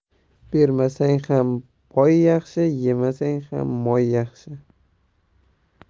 bermasa ham boy yaxshi yemasang ham moy yaxshi